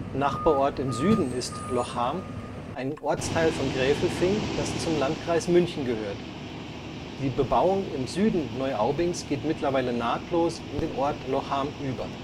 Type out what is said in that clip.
Nachbarort im Süden ist Lochham, ein Ortsteil von Gräfelfing, das zum Landkreis München gehört. Die Bebauung im Süden Neuaubings geht mittlerweile nahtlos in den Ort Lochham über